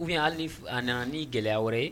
Furu kɛ hali n'a nana ni gɛlɛya wɛrɛ ye